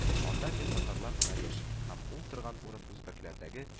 Анда гел татарлар гына яши һәм ул торган урын үзбәкләрдәге